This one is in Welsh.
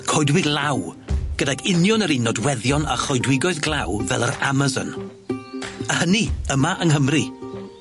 coedwig law, gydag union yr un nodweddion a choedwigoedd glaw fel yr Amazon, a hynny yma yng Nghymru,